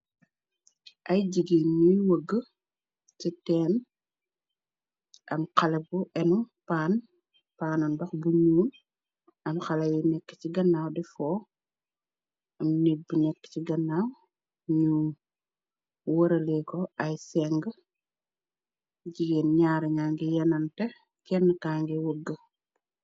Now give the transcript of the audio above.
Ay jigéen ñuy wëgeh ci teen am xale bu eno pann panam noh bu ñuul am xale yi nekk ci gannaaw de fo am nit bi nekk ci gannaaw ñu wëralee ko ay senge jigéen ñaariña ngi yenante kenn kaa ngi wëgeh.